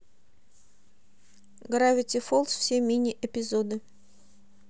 гравити фолз все мини эпизоды